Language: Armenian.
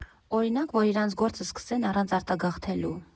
Օրինակ՝ որ իրանց գործը սկսեն առանց արտագաղթելու։